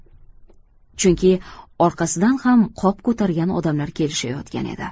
chunki orqasidan ham qop ko'targan odamlar kelishayotgan edi